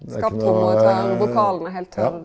det er ikke noe ja .